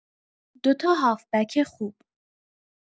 دو تا هافبک خوب